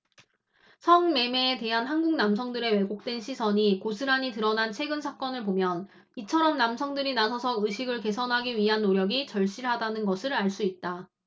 성 매매에 대한 한국 남성들의 왜곡된 시선이 고스란히 드러난 최근 사건을 보면 이처럼 남성들이 나서서 의식을 개선하기 위한 노력이 절실하다는 것을 알 수 있다